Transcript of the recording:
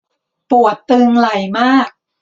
ปวดตึงไหล่มาก